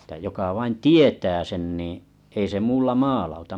että joka vain tietää sen niin ei se muulla maalauta